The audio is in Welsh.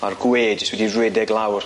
Ma'r gwe jys wedi rhedeg lawr.